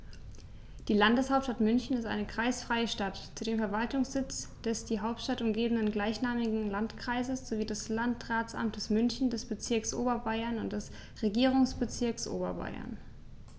Die Landeshauptstadt München ist eine kreisfreie Stadt, zudem Verwaltungssitz des die Stadt umgebenden gleichnamigen Landkreises sowie des Landratsamtes München, des Bezirks Oberbayern und des Regierungsbezirks Oberbayern.